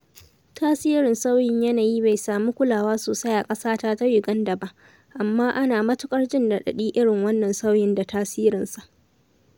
Tasirin sauyin yanayi bai samu kulawa sosai a ƙasata ta Uganda ba, amma ana matuƙar jin raɗaɗin irin wannan sauyi da tasirinsa.